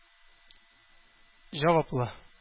Җаваплы